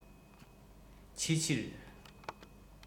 ཕྱི ཕྱིར